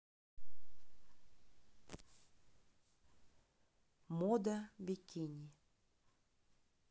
мода бикини